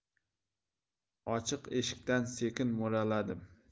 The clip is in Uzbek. ochiq eshikdan sekin mo'raladim